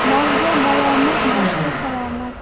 molga balomat boshga salomat